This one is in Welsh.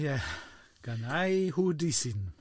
Ie, gan ei hwdysyn.